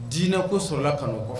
Diinɛ ko sɔrɔlala kanu o kɔfɛ